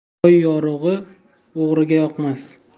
oy yorug'i o'g'riga yoqmas